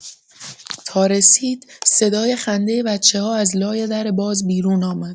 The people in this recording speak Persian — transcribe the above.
تا رسید، صدای خندۀ بچه‌ها از لای در باز بیرون آمد.